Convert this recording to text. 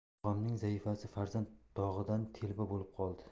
og'amning zaifasi farzand dog'idan telba bo'lib qoldi